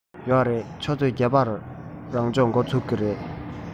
ཡོད རེད ཆུ ཚོད བརྒྱད པར རང སྦྱོང འགོ ཚུགས ཀྱི རེད